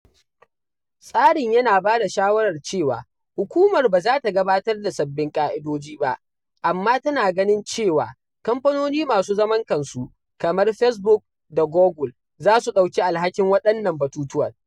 Tsarin yana ba da shawarar cewa Hukumar ba za ta gabatar da sabbin ƙa’idoji ba, amma tana ganin cewa kamfanoni masu zaman kansu kamar Facebook da Google za su ɗauki alhakin waɗannan batutuwan.